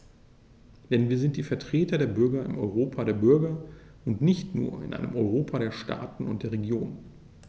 Denn wir sind die Vertreter der Bürger im Europa der Bürger und nicht nur in einem Europa der Staaten und der Regionen.